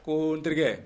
Koo n terikɛ